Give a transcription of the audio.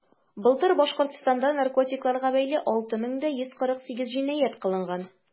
Былтыр Башкортстанда наркотикларга бәйле 6148 җинаять кылынган.